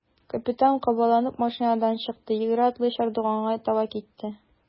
Капитан кабаланып машинадан чыкты, йөгерә-атлый чардуганга таба китте.